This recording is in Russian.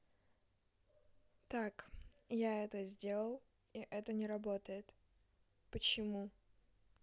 так я это сделал и это не работает почему